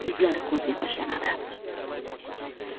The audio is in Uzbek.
izlari ko'zga tashlanadi